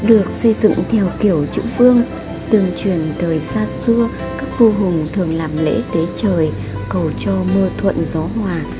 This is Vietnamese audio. được xây dựng theo kiểu chữ vương tương truyền thời xa xưa các vua hùng thường làm lễ tế trời cầu cho mưa thuận gió hòa